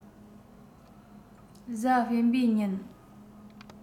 གཟའ སྤེན པའི ཉིན